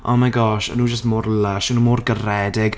Oh my gosh, o'n nhw jyst mor lysh, o'n nhw mor garedig...